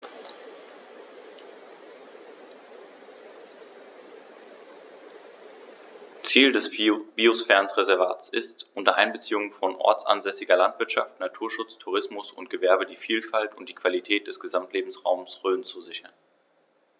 Ziel dieses Biosphärenreservates ist, unter Einbeziehung von ortsansässiger Landwirtschaft, Naturschutz, Tourismus und Gewerbe die Vielfalt und die Qualität des Gesamtlebensraumes Rhön zu sichern.